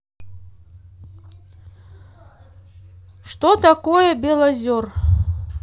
что такое белозер